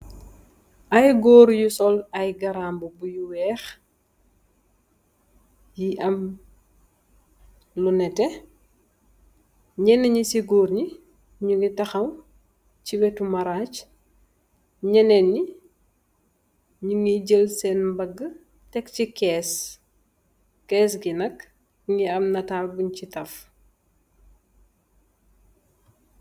Ay goor yu sol ay garambubu yu weex yu am lu neteh nyenen nyi si goori nyu gi taxaw si weti marag nyenen nyi nyugi jel sen mbaga defsi kess kessgi nak mogi am netal bun si taff.